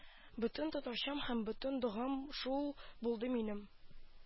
Бөтен татарчам һәм бөтен догам шул булды минем